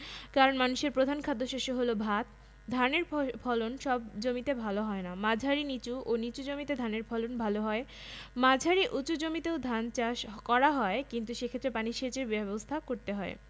উফশী ধানে যখন প্রয়োজনীয় বিশেষ গুনাগুণ যেমন রোগবালাই সহনশীলতা স্বল্প জীবনকাল চিকন চাল খরা লবনাক্ততা জল জলমগ্নতা সহিষ্ণু ইত্যাদি সংযোজিত হয় তখন তাকে আধুনিক ধান বলে